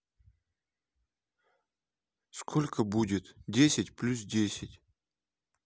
сколько будет десять плюс десять